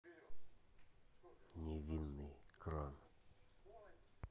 невинный кран